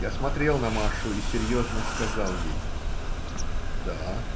Я смотрел на Машу и серьезно сказал ей: - Да!